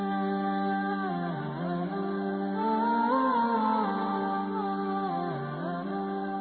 San